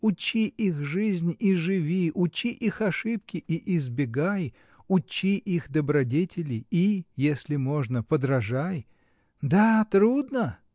Учи их жизнь и живи, учи их ошибки и избегай, учи их добродетели и, если можно, подражай. Да трудно!